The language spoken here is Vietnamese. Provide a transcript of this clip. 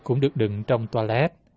cũng được đựng trong toa lét